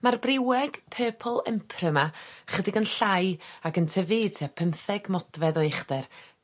Ma'r Briweg Purple Emperor 'ma chydig yn llai ag yn tyfu i tua pymtheg modfedd o uchder